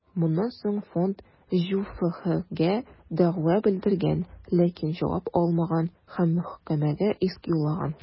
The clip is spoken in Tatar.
Моннан соң фонд ҖҮФХгә дәгъва белдергән, ләкин җавап алмаган һәм мәхкәмәгә иск юллаган.